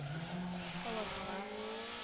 Халатыңа